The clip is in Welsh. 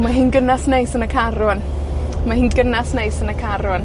Mae hi'n gynas neis yn y car rwan. Mae hi'n gynas neis yn y car rŵan.